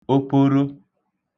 oporo